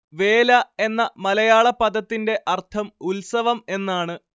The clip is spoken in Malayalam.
വേല എന്ന മലയാള പദത്തിന്റെ അര്‍ത്ഥം ഉത്സവം എന്നാണ്